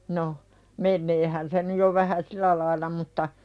no meneehän se nyt jo vähän sillä lailla mutta